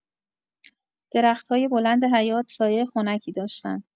درخت‌های بلند حیاط سایه خنکی داشتن.